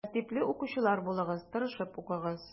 Тәртипле укучылар булыгыз, тырышып укыгыз.